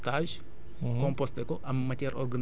defal ko li ñu naan compostage